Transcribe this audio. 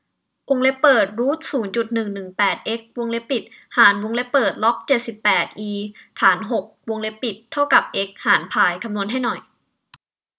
วงเล็บเปิดรูทศูนย์จุดหนึ่งหนึ่งแปดเอ็กซ์วงเล็บปิดหารวงเล็บเปิดล็อกเจ็ดสิบแปดอีฐานหกวงเล็บปิดเท่ากับเอ็กซ์หารพายคำนวณให้หน่อย